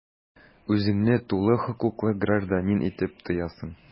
Үзеңне тулы хокуклы гражданин итеп тоясың.